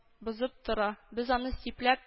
Бозып тора, без аны сипләп